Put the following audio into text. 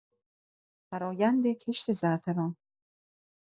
فرایند کشت زعفران